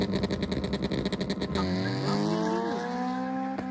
а кто главные герои